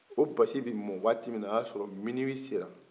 o basi bɛ mɔ waati min o y'a sɔrɔ miniwi sera